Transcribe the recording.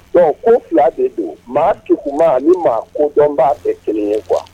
Bon ko 2 de don maa kekunman ani maa kodɔnbaa te 1 ye quoi